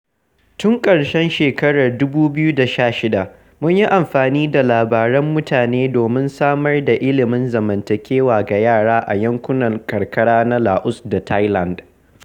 Tun ƙarshen shekarar 2016, mun yi amfani da labaran mutane domin samar da ilimin zamantakewa ga yara a yankunan karkara na Laos da Thailand.